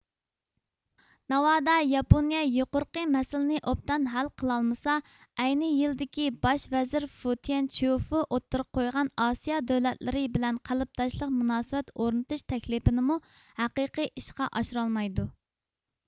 ناۋادا ياپونىيە يۇقىرقى مەسىلىنى ئوبدان ھەل قىلالمىسا ئەينى يىلىدىكى باش ۋەزىر فۇتىيەن چيۇفۇ ئوتتۇرىغا قويغان ئاسىيا دۆلەتلىرى بىلەن قەلبىداشلىق مۇناسىۋەت ئورنىتىش تەكلىپىنىمۇ ھەقىقىي ئىشقا ئاشۇرالمايدۇ